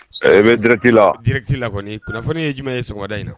Bɛ dɛrɛti la drti la kunnafoni ye jumɛn ye sɛgɛnda in na